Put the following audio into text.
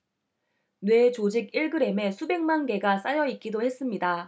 뇌 조직 일 그램에 수백만 개가 쌓여 있기도 했습니다